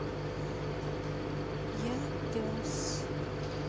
я пес